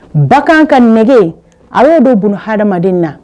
Bakan ka nɛgɛge a'o don bon hadamadamaden na